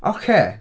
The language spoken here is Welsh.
Oce.